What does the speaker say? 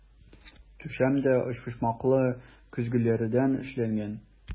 Түшәм дә өчпочмаклы көзгеләрдән эшләнгән.